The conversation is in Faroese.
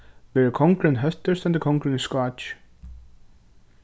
verður kongurin hóttur stendur kongurin í skáki